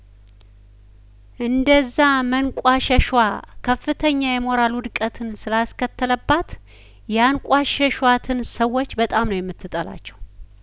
እንደዛ መንቋሸሿ ከፍተኛ የሞራል ውድቀትን ስላስከተለባት ያንቋሸሿትን ሰዎች በጣም ነው የምትጠላቸው